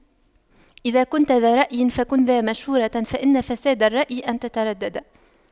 إذا كنتَ ذا رأيٍ فكن ذا مشورة فإن فساد الرأي أن تترددا